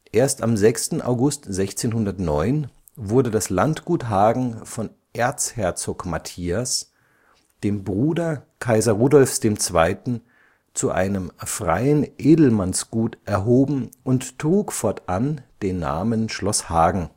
Erst am 6. August 1609 wurde das Landgut Hagen von Erzherzog Matthias, dem Bruder Kaiser Rudolfs II., zu einem freien Edelmannsgut erhoben und trug fortan den Namen Schloss Hagen